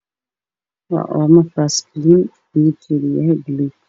Waa oomo baaskalin ah midibkedu yahy baluug